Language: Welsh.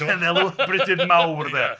Cynddelw Brydydd Mawr 'de